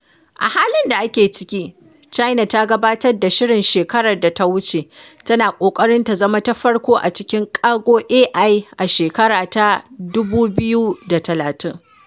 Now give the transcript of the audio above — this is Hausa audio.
A halin da ake cikin, China ta gabatar da shirinta shekarar da ta wuce: tana ƙoƙarin ta zama ta farko a cikin ƙago AI a shekara ta 2030.